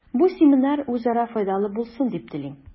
Бу семинар үзара файдалы булсын дип телим.